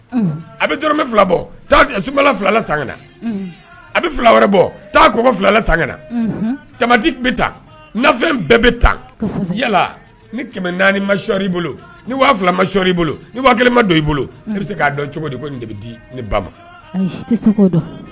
A bɛ tɔrɔ fila bɔ sunbala filala san a bɛ fila wɛrɛ bɔ taa kɔko fila san tamati bɛfɛn bɛɛ bɛ taa yala ni naani ma bolo ni fila ma i bolo wa kelen don i bolo i bɛ se k'a dɔn cogo di bɛ ni ba